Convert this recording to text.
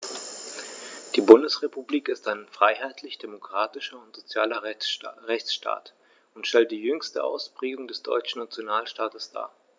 Die Bundesrepublik ist ein freiheitlich-demokratischer und sozialer Rechtsstaat[9] und stellt die jüngste Ausprägung des deutschen Nationalstaates dar.